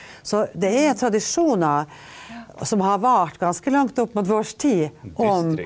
så det er tradisjoner som har vart ganske langt opp mot vår tid om.